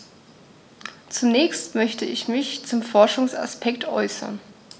Zunächst möchte ich mich zum Forschungsaspekt äußern.